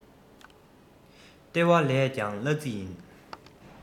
ལྟེ བ ལས ཀྱང གླ རྩི ལེན